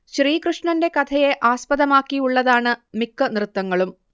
ശ്രീകൃഷ്ണന്റെ കഥയെ ആസ്പദമാക്കിയുള്ളതാണ് മിക്ക നൃത്തങ്ങളും